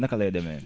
naka lay demee